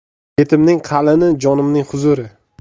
betimning qalini jonimning huzuri